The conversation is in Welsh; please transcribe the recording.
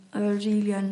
Oedd o rili yn.